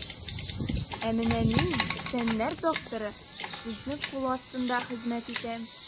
Ә менә мин, фәннәр докторы, сезнең кул астында хезмәт итәм.